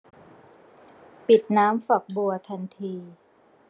ปิดน้ำฝักบัวทันที